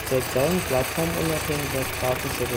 Erzeugung plattformunabhängiger grafischer